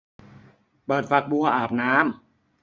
เปิดฝักบัวอาบน้ำ